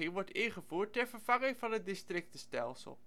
wordt ingevoerd ter vervanging van het districtenstelsel